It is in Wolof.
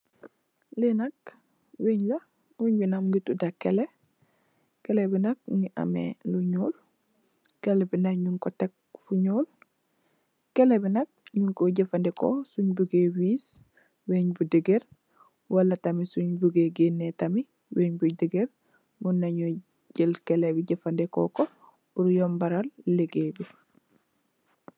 Lii nak weungh la, weungh bii nak mungy tuda kleh, kleh bii nak mungy ameh lu njull, kleh bii nak njung kor tek fu njull, kleh bii nak njung kor jeufandehkor sungh bugeh wiss weungh bu degerre wala tamit sungh bugeh geneh tamit weungh bu degerre, mun neh njur jel kleh bii jeufandehkor koh pur yombal legaye bii.